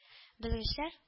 Белгечләр